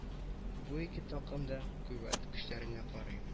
Бу ике такым да куәт көчләренә карый